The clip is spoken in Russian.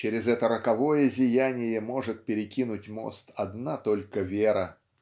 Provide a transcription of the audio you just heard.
через это роковое зияние может перекинуть мост одна только вера.